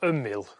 ymyl